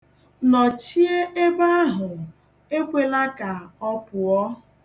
Nọchie ebe ahụ, ekwela ka ọ pụọ.